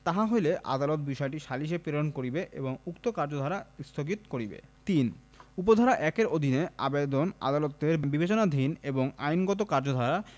তাহা হইলে আদালত বিষয়টি সালিসে প্রেরণ করিবে এবং উক্ত কার্যধারা স্থগিত করিবে ৩ উপ ধারা ১ এর অধীন আবেদন আদালতের বিবেচনাধীন এবং আইনগত কার্যধারা